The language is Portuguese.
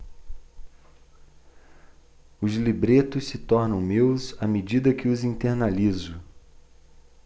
os libretos se tornam meus à medida que os internalizo